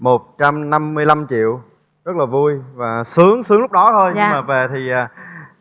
một trăm năm mươi lăm triệu rất là vui và sướng sướng lúc đó thôi nhưng mà về thì